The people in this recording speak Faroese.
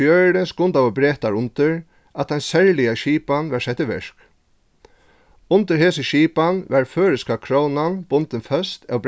fjøruti skundaðu bretar undir at ein serliga skipan varð sett í verk undir hesi skipan varð føroyska krónan bundin føst av